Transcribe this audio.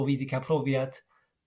bo' fi 'di ca'l profiad